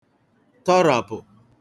tọràpụ̀